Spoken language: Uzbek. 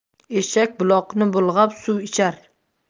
eshak buloqni bulg'ab suv ichar